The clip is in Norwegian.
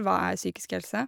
Hva er psykisk helse?